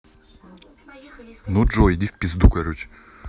ну джой иди в пизду короче